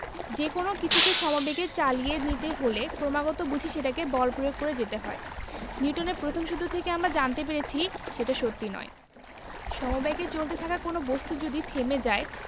যেকোনো কিছুকে সমবেগে চালিয়ে নিতে হলে ক্রমাগত বুঝি সেটাতে বল প্রয়োগ করে যেতে হয় নিউটনের প্রথম সূত্র থেকে আমরা জানতে পেরেছি সেটা সত্যি নয় সমবেগে চলতে থাকা কোনো বস্তু যদি থেমে যায়